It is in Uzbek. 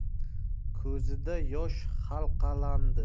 ko'zida yosh halqalandi